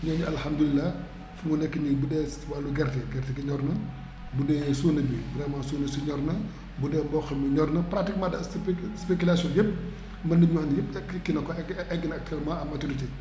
neeñu alhamdulilah fi mu nekk nii bu dee wàllum gerte gerte gi ñor na bu dee suuna bi vraiment suuna si ñor na bu dee mboq mi ñor na pratiquement de spécu spéculation bi yépp mën nañu wax lépp kii na ko egg egg na actuelement à maturité